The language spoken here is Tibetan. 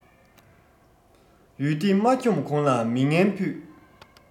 ཡུལ སྡེ མ འཁྱོམས གོང ལ མི ངན ཕུད